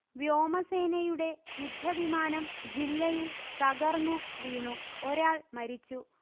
വ്യോമസേനയുടെ യുദ്ധ വിമാനം ജില്ലയിൽ തകർന്നു വീണു, ഒരാൾ മരിച്ചു